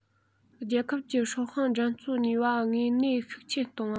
རྒྱལ ཁབ ཀྱི སྲོག ཤིང འགྲན རྩོད ནུས པ དངོས གནས ཤུགས ཆེན གཏོང བ